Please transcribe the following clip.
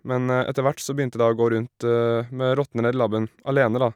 Men etter hvert så begynte da å gå rundt med rottene nedi labben alene, da.